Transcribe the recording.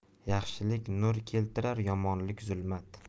yaxshilik nur keltirar yomonlik zulmat